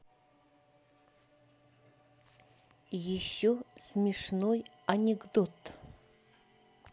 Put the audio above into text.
еще смешной анекдот